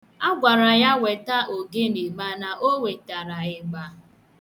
A gwara ya weta ogene mana o wetara ịgba.